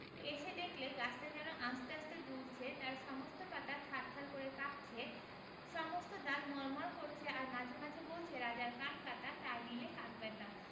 এসে দেখলে গাছটা যেন আস্তে আস্তে দুলছে তার সমস্ত পাতা থারথার করে কাঁপছে সমস্ত ডাল মড়মড় করছে আর মাঝে মাঝে বলছে রাজার কান কাটা তাই নিলে কাক ব্যাটা